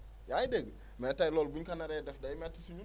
yaa ngi dégg mais tey loolu bu ñu ko naree def day métti si ñun